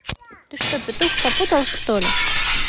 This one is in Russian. ты что петух попутал что ли